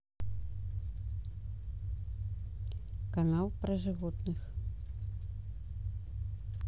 канал про животных